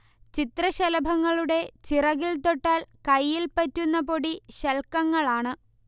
ചിത്രശലഭങ്ങളുടെ ചിറകിൽത്തൊട്ടാൽ കൈയിൽ പറ്റുന്ന പൊടി ശൽക്കങ്ങളാണ്